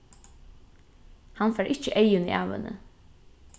hann fær ikki eyguni av henni